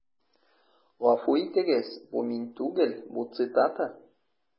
Гафу итегез, бу мин түгел, бу цитата.